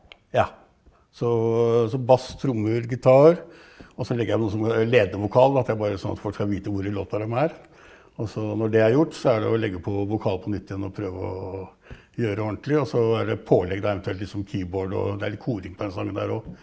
ja så så bass, trommer, gitar, også legger jeg på noe som heter ledevokal at jeg er bare sånn at folk skal vite hvor i låta dem er også når det er gjort så er det å legge på vokal på nytt igjen og prøve å gjøre ordentlig også er det pålegg da eventuelt liksom keyboard og det er litt koring på den sangen der òg.